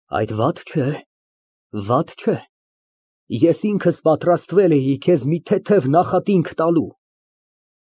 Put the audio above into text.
Այդ վատ չէ։ Ես ինքս պատրաստվել էի քեզ մի թեթև նախատինք տալու։